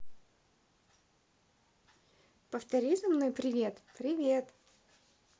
повтори за мной привет привет